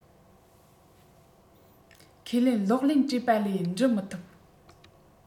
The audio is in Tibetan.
ཁས ལེན གློག ཀླད བྲིས པ ལས འབྲི མི ཐུབ